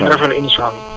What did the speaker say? ñu ngi rafetlu émission bi